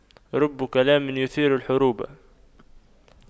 رب كلام يثير الحروب